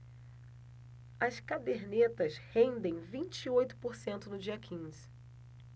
as cadernetas rendem vinte e oito por cento no dia quinze